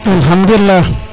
alkhamdulilah